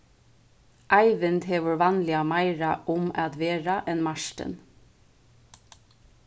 eivind hevur vanliga meira um at vera enn martin